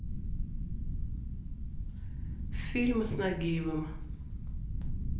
фильмы с нагиевым